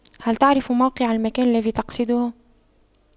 هل تعرف موقع المكان الذي تقصده